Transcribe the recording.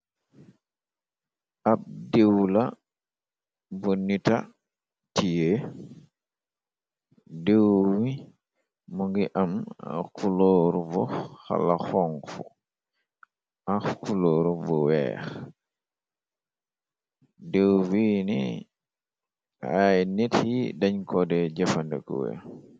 Ab diiwu la bu nita tè, diiw wi mu ngi am kulooru bu hala honku ak kuloor bu weeh diw wiini ay nit yi dañ kode jëfande ku wè.